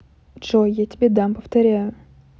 джой я тебе дам повторяю